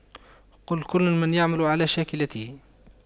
قُل كُلٌّ يَعمَلُ عَلَى شَاكِلَتِهِ